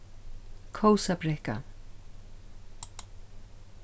kósabrekka